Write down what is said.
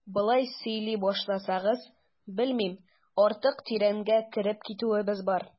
Болай сөйли башласагыз, белмим, артык тирәнгә кереп китүебез бар.